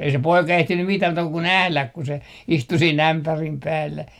ei se poika ehtinyt mitään muuta kuin nähdä kun se istui siinä ämpärin päällä